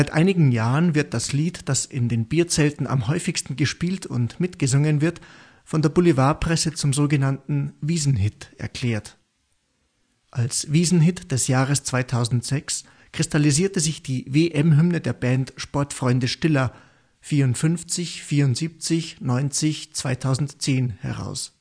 einigen Jahren wird das Lied, das in den Bierzelten am häufigsten gespielt und mitgesungen wird, von der Boulevardpresse zum sogenannten Wiesn-Hit erklärt. Als Wiesn-Hit des Jahres 2006 kristallisierte sich die WM-Hymne der Band Sportfreunde Stiller 54, 74, 90, 2010 heraus